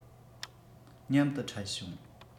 མཉམ དུ འཕྲད བྱུང